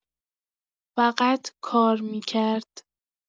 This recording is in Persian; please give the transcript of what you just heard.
فقط کار می‌کرد.